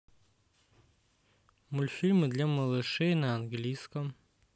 мультфильмы для малышей на английском